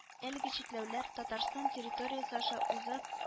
Әлеге чикләүләр татарстан территориясе аша узып